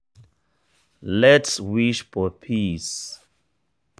Let’s wish for peace.